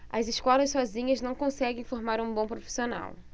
as escolas sozinhas não conseguem formar um bom profissional